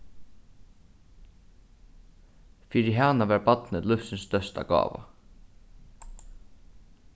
fyri hana var barnið lívsins størsta gáva